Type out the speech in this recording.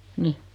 niin